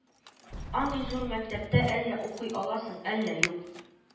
Андый зур мәктәптә әллә укый аласың, әллә юк